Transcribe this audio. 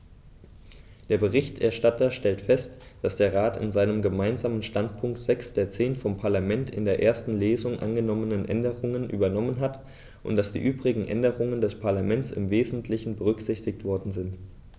Der Berichterstatter stellte fest, dass der Rat in seinem Gemeinsamen Standpunkt sechs der zehn vom Parlament in der ersten Lesung angenommenen Änderungen übernommen hat und dass die übrigen Änderungen des Parlaments im wesentlichen berücksichtigt worden sind.